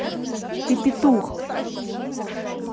ты питух